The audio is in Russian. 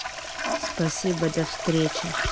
спасибо до встречи